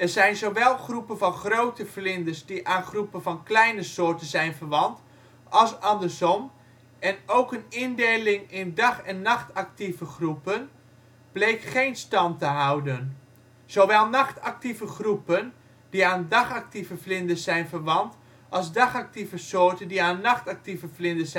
zijn zowel groepen van ' grote ' vlinders die aan groepen van kleine soorten zijn verwant als andersom en ook een indeling in dag - en nachtactieve groepen bleek geen stand te houden. Zowel nachtactieve groepen die aan dagactieve vlinders zijn verwant als dagactieve soorten die aan nachtactieve vlinders